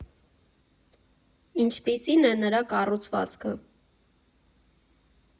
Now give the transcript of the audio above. Ինչպիսի՞ն է նրա կառուցվածքը։